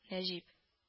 Нәҗип